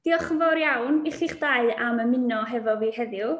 Diolch yn fawr iawn i chi'ch dau am ymuno hefo fi heddiw.